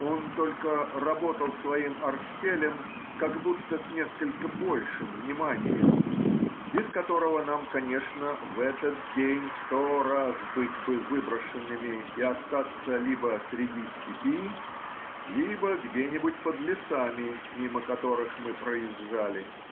он только работал своим орстелем как будто с несколько большим вниманием, без которого нам, конечно, в этот день сто раз быть бы выброшенными и остаться либо среди степи, либо где-нибудь под лесами, мимо которых мы проезжали.